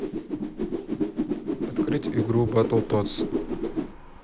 открыть игру батл тотс